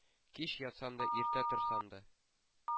Кич ятсам да, иртә торсам да,